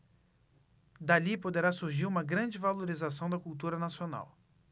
dali poderá surgir uma grande valorização da cultura nacional